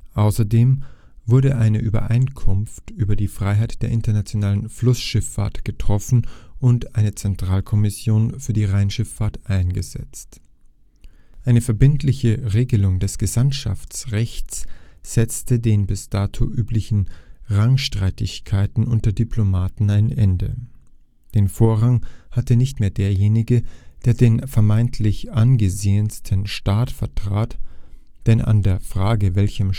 Außerdem wurde eine Übereinkunft über die Freiheit der internationalen Flussschifffahrt getroffen und eine Zentralkommission für die Rheinschifffahrt eingesetzt. Eine verbindliche Regelung des Gesandtschaftsrechts setzte den bis dato üblichen Rangstreitigkeiten unter Diplomaten ein Ende. Den Vorrang hatte nicht mehr derjenige, der den vermeintlich angesehensten Staat vertrat (denn an der Frage, welchem